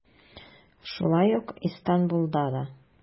Шулай ук Истанбулда да.